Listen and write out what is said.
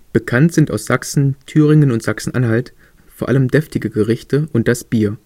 Bekannt sind aus Sachsen, Thüringen und Sachsen-Anhalt vor allem deftige Gerichte und das Bier